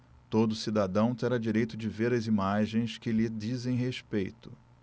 todo cidadão terá direito de ver as imagens que lhe dizem respeito